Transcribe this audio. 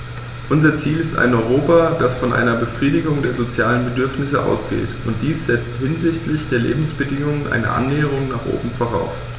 Unser Ziel ist ein Europa, das von einer Befriedigung der sozialen Bedürfnisse ausgeht, und dies setzt hinsichtlich der Lebensbedingungen eine Annäherung nach oben voraus.